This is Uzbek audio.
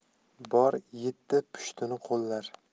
bor yetti pushtini qo'llar